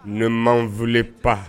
Ne man wili pa